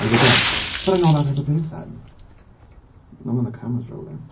I would have. But I'm not that type of person. Not when the camera's rolling.